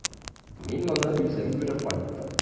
Мин моны үзем күреп кайттым.